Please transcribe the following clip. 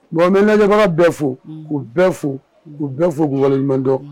Bon mɛɛnɛ bɛɛ fo k u bɛɛ fo k u bɛɛ fo b waleɲumandɔn